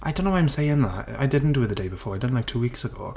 I don't know why I'm saying that. I didn't do it the day before. I done it like two weeks ago.